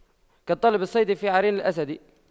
كطالب الصيد في عرين الأسد